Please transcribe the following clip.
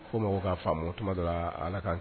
Ko ko ka faama o kɛra ala kan